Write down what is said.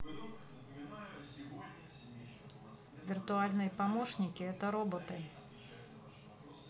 виртуальные помощники это роботы